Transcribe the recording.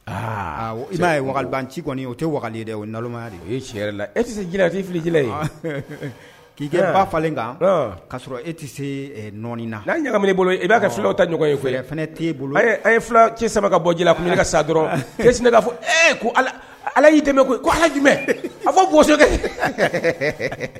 Aa ia yeban ci kɔni o tɛ oya de ye la e tɛse tɛ fili ji ye k'i kɛra ba falen kan k'a sɔrɔ e tɛ se nɔɔni na ɲaga bolo i b'a kɛ fulaw ta ɲɔgɔnɔgɔ ye fɛ fana t'e bolo ye ci saba ka bɔ ko ne ka sa dɔrɔn e' fɔ ala y'i dɛmɛ i ko haji a fɔ bokɛ